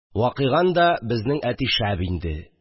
Вакыйган да , безнең әти шәп инде.